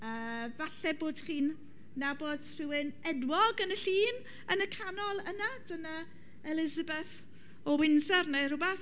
yy falle bod chi'n nabod rhywun enwog yn y llun, yn y canol yna. Dyna Elisabeth o Windsor neu rhywbeth.